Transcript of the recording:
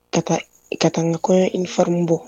Ka taa ka taaga kɔɲɔ in farin bɔ